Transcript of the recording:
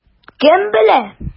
Кем белә?